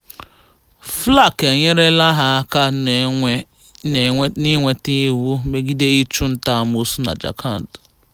FLAC enyereela aka n'iweta iwu megide ịchụnta-amoosu na Jharkhand.